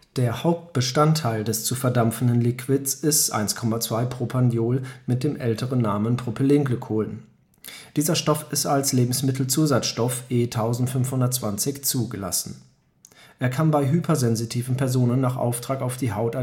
Der Hauptbestandteil des zu verdampfenden Liquids ist 1,2-Propandiol (älterer Name: Propylenglycol). Dieser Stoff ist als Lebensmittelzusatzstoff E 1520 zugelassen. Er kann bei hypersensitiven Personen nach Auftrag auf die Haut